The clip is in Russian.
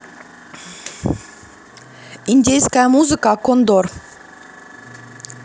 индейская музыка кондор